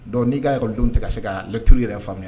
Dɔnku n'i y kaa yɔrɔ don tigɛ ka se ka lɛtiriuru yɛrɛ faamuya